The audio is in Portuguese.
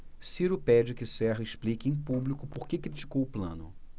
ciro pede que serra explique em público por que criticou plano